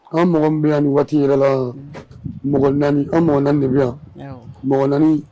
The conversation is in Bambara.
An m bɛ yan ni waati yɛrɛ la m an m debi yan m